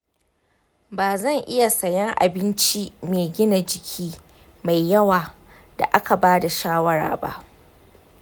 ba zan iya sayen abinci me gina jiki mai yawa da aka ba da shawara ba.